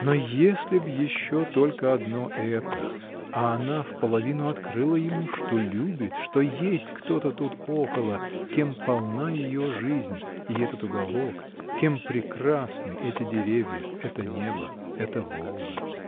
Но если б еще только одно это: а она вполовину открыла ему, что любит, что есть кто-то тут около, кем полна ее жизнь и этот уголок, кем прекрасны эти деревья, это небо, эта Волга.